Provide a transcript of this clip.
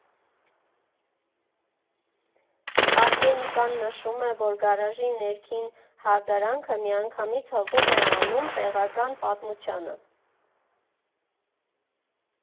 Արգենիկան նշում է, որ գարաժի ներքին հարդարանքը միանգամից հղում է անում տեղական պատմությանը։